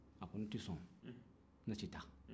a ko n tɛ sɔn ne tɛ taa